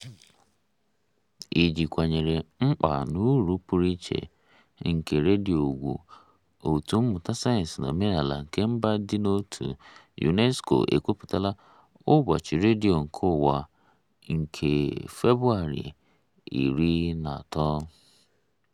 Iji kwanyere mkpa na uru pụrụ iche nke redio ùgwù, Òtù Mmụta, Sayensị na Omenala nke Mba Ndị Dị n'Otu (UNESCO) ekwupụtala ụbọchị redio ụwa nke Febụwarị 13.